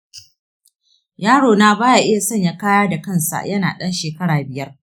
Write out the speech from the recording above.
yarona ba ya iya sanya kaya da kansa yana ɗan shekara biyar.